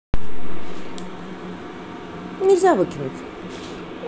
нельзя выкинуть